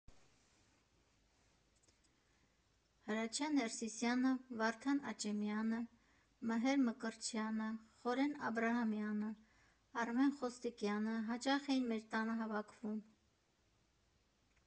Հրաչյա Ներսիսյանը, Վարդան Աճեմյանը, Մհեր Մկրտչյանը, Խորեն Աբրահամյանը, Արմեն Խոստիկյանը հաճախ էին մեր տանը հավաքվում։